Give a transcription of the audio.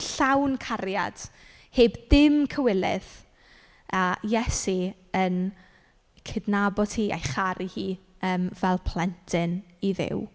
Llawn cariad, heb dim cywilydd, a Iesu yn cydnabod hi a'i charu hi yym fel plentyn i Dduw.